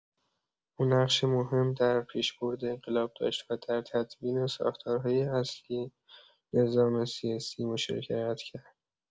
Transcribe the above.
او نقشی مهم در پیشبرد انقلاب داشت و در تدوین ساختارهای اصلی نظام سیاسی مشارکت کرد.